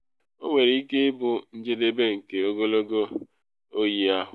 Ọ nwere ike ịbụ njedebe nke ogologo ọyị ahụ.